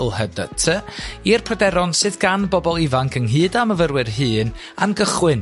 l hy dy ty i'r pryderon sydd gan bobol ifanc ynghyd â myfyrwyr hŷn am gychwyn